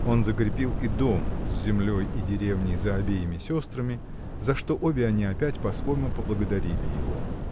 Он закрепил и дом с землей и деревней за обеими сестрами, за что обе они опять по-своему благодарили его.